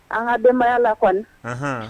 An ka denbaya la kɔni.